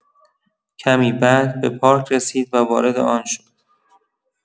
کمی بعد، به پارک رسید و وارد آن شد.